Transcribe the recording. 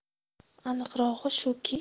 aniqrog'i shuki